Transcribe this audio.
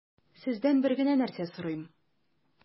Сездән бер генә нәрсә сорыйм: